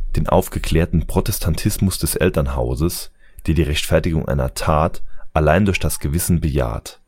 den aufgeklärten Protestantismus des Elternhauses, der die Rechtfertigung einer Tat allein durch das Gewissen bejaht